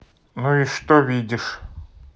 ну и что видишь